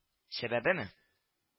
Сәбәбеме